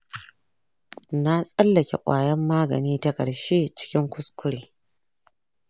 na tsallake ƙwayar magani ta ƙarshe cikin kuskure.